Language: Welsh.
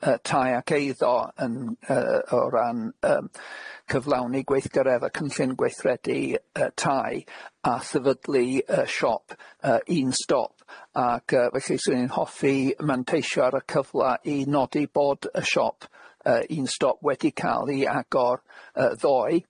y- tai ac eiddo yn yyy o ran yym cyflawni gweithgaredd a- cynllun gweithredu y- tai a sefydlu y- siop y- un stop ac y- felly swn i'n hoffi manteisio ar y cyfla i nodi bod y siop y- un stop wedi cal i agor y- ddoe.